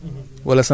voilà voilà